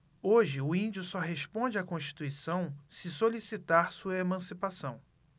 hoje o índio só responde à constituição se solicitar sua emancipação